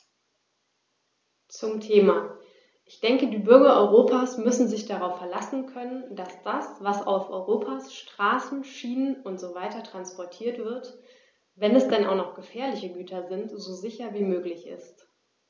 Zum Thema: Ich denke, die Bürger Europas müssen sich darauf verlassen können, dass das, was auf Europas Straßen, Schienen usw. transportiert wird, wenn es denn auch noch gefährliche Güter sind, so sicher wie möglich ist.